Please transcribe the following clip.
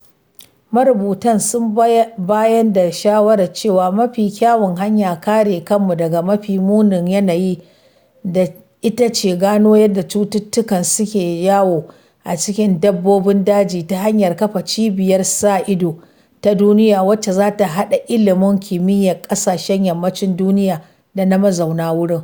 “Marubutan sun bayar da shawarar cewa mafi kyawun hanyar kare kanmu daga mafi munin yanayi, ita ce gano yadda cututtukan suke yawo a cikin dabbobin daji, ta hanyar kafa cibiyar sa ido ta duniya wacce za ta haɗa ilimin kimiyyar ƙasashen yammacin duniya da na mazauna wurin”.